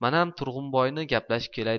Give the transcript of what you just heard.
manam turg'unboyni gaplashib kelay